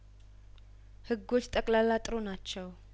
ህጐች ጠቅላላ ጥሩ ናቸው